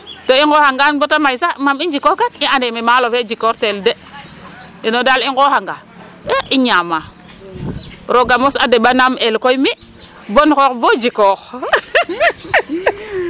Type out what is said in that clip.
Ten i nqooxangan ba ta may sax mam i njikookan i andee me maalo fe jikoortel de ino daal i nqooxanga ee i ñaamaa roog a mos a deɓaa naam el koy mi bon xoox bo jikoox.